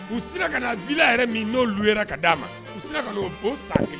U sinna ka na villa yɛrɛ min n'o louer la ka d'a ma, u sinna ka n'o san kelen